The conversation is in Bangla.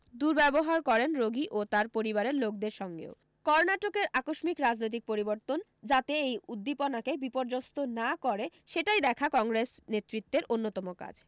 দুর্ব্যবহার করেন রোগী ও তার পরিবারের লোকেদের সঙ্গেও কর্নাটকের আকস্মিক রাজনৈতিক পরিবর্তন যাতে এই উদ্দীপনাকে বিপর্যস্ত না করে সেটা দেখাই কংগ্রেস নেতৃত্বের অন্যতম কাজ